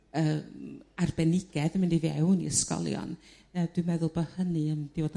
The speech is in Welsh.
yrm arbenigedd yn mynd i fewn i ysgolion yrr dwi'n meddwl bo' hynny 'n mynd i fod